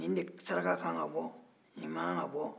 nin de saraka ka kan ka bɔ nin ma kan tɛ ka bɔ